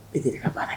E ki ka baara